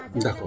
d' accord.